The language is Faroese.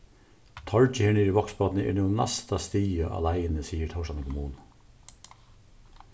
torgið her niðri í vágsbotni er nú næsta stigið á leiðini sigur tórshavnar kommuna